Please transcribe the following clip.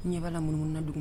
Ɲɛla munumununa dugu